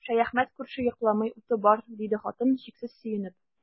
Шәяхмәт күрше йокламый, уты бар, диде хатын, чиксез сөенеп.